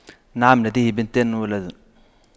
نعم لديه بنتان وولد